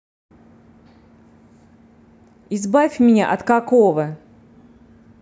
избавь меня от какого